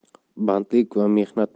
bandlik va mehnat